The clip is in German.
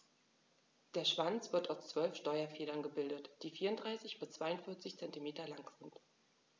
Der Schwanz wird aus 12 Steuerfedern gebildet, die 34 bis 42 cm lang sind.